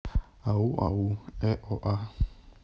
ау ау э о а